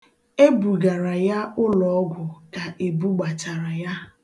E bugara ya ụlọọgwụ ka ebu gbachara ya.